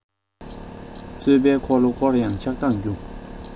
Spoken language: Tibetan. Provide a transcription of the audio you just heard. རྩོད པའི འཁོར ལོ སྐོར ཡང ཆགས སྡང རྒྱུ